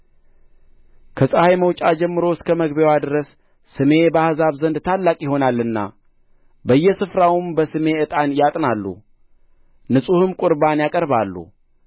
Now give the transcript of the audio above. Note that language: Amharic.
ከፀሐይ መውጫ ጀምሮ እስከ መግቢያዋ ድረስ ስሜ በአሕዛብ ዘንድ ታላቅ ይሆናልና በየስፍራውም ለስሜ ዕጣን ያጥናሉ ንጹሕም ቍርባን ያቀርባሉ